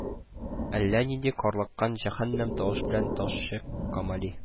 Әллә нинди карлыккан җәһәннәм тавыш белән ташчы Камали: